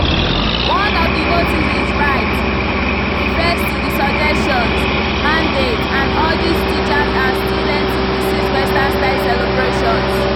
One of the notices (right) refers to the "Suggestions" mandate and urges teachers and students to resist Western style celebrations.